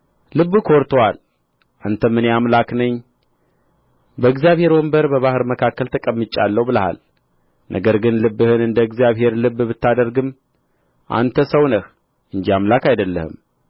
ልብህ ኰርቶአል አንተም እኔ አምላክ ነኝ በእግዚአብሔር ወንበር በባሕር መካከል ተቀምጫለሁ ብለሃል ነገር ግን ልብህን እንደ እግዚአብሔር ልብ ብታደርግም አንተ ሰው ነህ እንጂ አምላክ አይደለህም